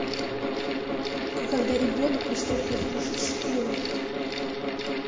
а когда ребенок мечтает разрушить школу